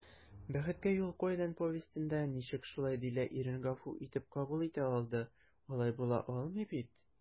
«бәхеткә юл кайдан» повестенда ничек шулай дилә ирен гафу итеп кабул итә алды, алай була алмый бит?»